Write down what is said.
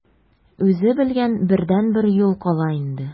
Үзе белгән бердәнбер юл кала инде.